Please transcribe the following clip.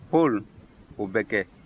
paul o bɛ kɛ